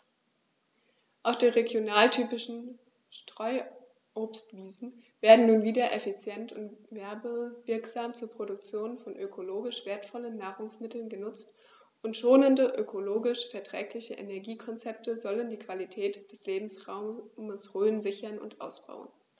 Auch die regionaltypischen Streuobstwiesen werden nun wieder effizient und werbewirksam zur Produktion von ökologisch wertvollen Nahrungsmitteln genutzt, und schonende, ökologisch verträgliche Energiekonzepte sollen die Qualität des Lebensraumes Rhön sichern und ausbauen.